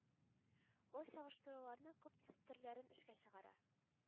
Ул чагыштыруларның күп төс төрләрен эшкә җигә